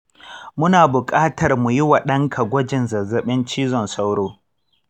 muna buƙatar mu yi wa ɗanka gwajin zazzabin cizon sauro.